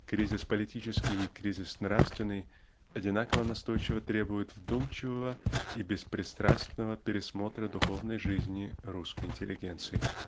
Кризис политический и кризис нравственный одинаково настойчиво требуют вдумчивого и беспристрастного пересмотра духовной жизни русской интеллигенции.